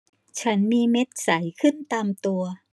ฉันมีเม็ดใสขึ้นตามตัว